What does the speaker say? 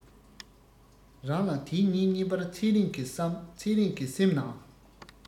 རང ལ དེའི ཉིན གཉིས པར ཚེ རིང གི བསམ ཚེ རིང གི སེམས ནང